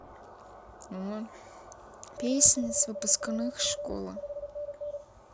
песни с выпускных школы